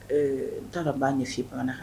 U taara ka ban ɲɛfin banna